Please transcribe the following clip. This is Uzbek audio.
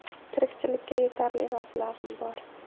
tirikchilikka yetarli mablag'im bor